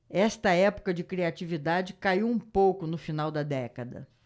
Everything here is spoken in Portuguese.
esta época de criatividade caiu um pouco no final da década